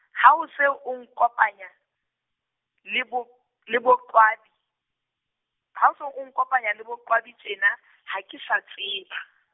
hao se o nkopanya, le bo, le boQwabi, hao se o nkopanya le boQwabi tjena, ha ke sa tseba.